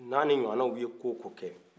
n'ani ɲwaana ye ko o ko kɛ